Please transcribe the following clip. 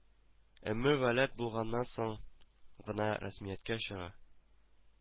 Өмме вәләд булганнан соң гына рәсмияткә чыга